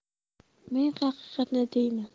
men haqiqatni deyman